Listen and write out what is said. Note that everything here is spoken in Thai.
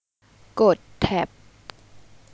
กดแท็บ